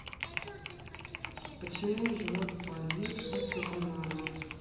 почему живот болит после банана